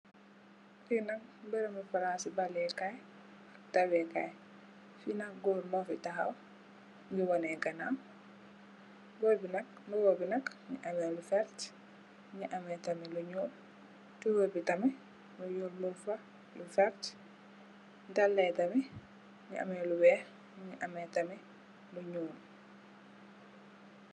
Fi nak berabi palassi balleh kai ak daaweh kai fi nak gorr mofi tahaw Mungi waneh ganaw gorr bi nak mbuba bi nak Mungi ameh lu verteh Mungi ameh tamit lu nyuul tubai bi tamit lu nyuul Mungfa lu verteh daalai tamit Mungi ameh lu weih Mungi ameh tamit lu nyuul.